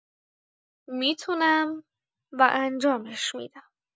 می‌تونم، و انجامش می‌دم.